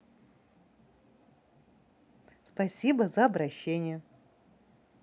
спасибо за общение